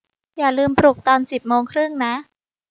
อย่าลืมปลุกตอนสิบโมงครึ่งนะ